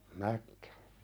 näkki